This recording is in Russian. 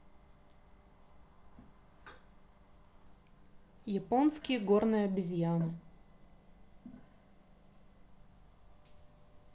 японские горные обезьяны